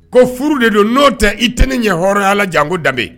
Ko furu de don n'o tɛ i tɛ ne ɲɛ hɔrɔnya janko danbebe